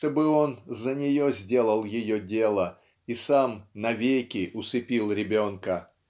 чтобы он за нее сделал ее дело и сам навеки усыпил ребенка